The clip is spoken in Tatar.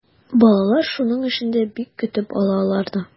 Балалар шуның өчен дә бик көтеп ала аларны.